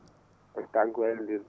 foti tan ko wallonndirede